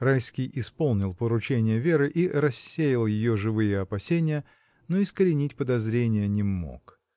Райский исполнил поручение Веры и рассеял ее живые опасения, но искоренить подозрения не мог.